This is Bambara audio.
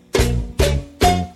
San